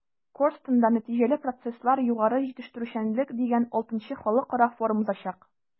“корстон”да “нәтиҗәле процесслар-югары җитештерүчәнлек” дигән vι халыкара форум узачак.